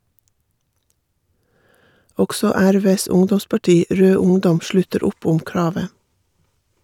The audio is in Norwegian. Også RVs ungdomsparti, Rød Ungdom, slutter opp om kravet.